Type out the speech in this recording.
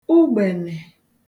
ugbènè